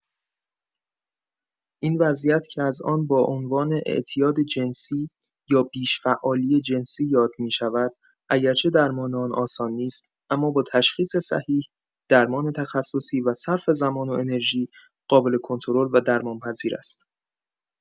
این وضعیت که از آن با عنوان «اعتیاد جنسی» یا «بیش‌فعالی جنسی» یاد می‌شود، اگرچه درمان آن آسان نیست، اما با تشخیص صحیح، درمان تخصصی و صرف زمان و انرژی، قابل‌کنترل و درمان‌پذیر است.